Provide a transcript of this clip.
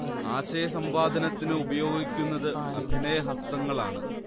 ആശയസംവദനത്തിന് ഉപയോഗിക്കുന്നത് അഭിനയഹസ്തങ്ങളാണ്